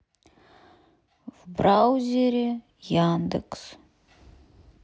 в браузере яндекс